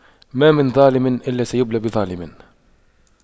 ما من ظالم إلا سيبلى بظالم